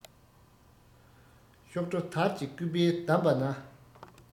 གཤོག སྒྲོ དར གྱི སྐུད པས བསྡམས པ ན